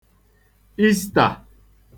Istà